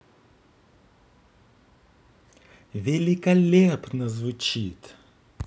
великолепно звучит